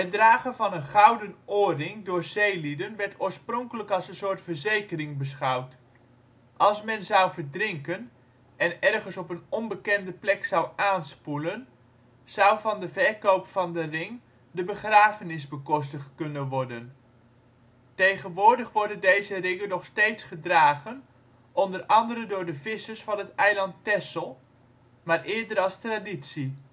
dragen van een gouden oorring door zeelieden werd oorspronkelijk als een soort verzekering beschouwd. Als men zou verdrinken en ergens op een onbekende plek zou aanspoelen, zou van de verkoop van de ring de begrafenis bekostigd kunnen worden. Tegenwoordig worden deze ringen nog steeds gedragen, onder andere door de vissers van het eiland Texel, maar eerder als traditie